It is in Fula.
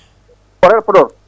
horaire Podor